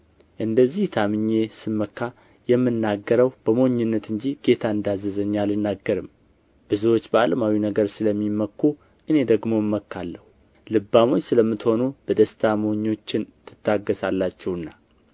እንደዚህ ታምኜ ስመካ የምናገረው በሞኝነት እንጂ ጌታ እንዳዘዘኝ አልናገርም ብዙዎች በዓለማዊ ነገር ስለሚመኩ እኔ ደግሞ እመካለሁ ልባሞች ስለምትሆኑ በደስታ ሞኞችን ትታገሣላችሁና